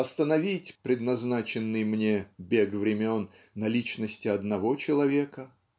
остановить предназначенный мне "бег времен" на личности одного человека?